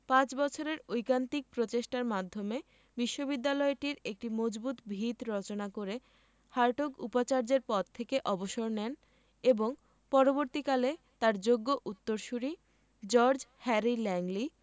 পাঁচ বছরের ঐকান্তিক প্রচেষ্টার মাধ্যমে বিশ্ববিদ্যালয়টির একটি মজবুত ভিত রচনা করে হার্টগ উপাচার্যের পদ থেকে অবসর নেন এবং পরবর্তীকালে তাঁর যোগ্য উত্তরসূরি জর্জ হ্যারি ল্যাংলি